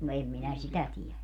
no en minä sitä tiedä